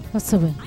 U ka sabali